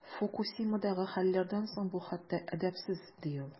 Фукусимадагы хәлләрдән соң бу хәтта әдәпсез, ди ул.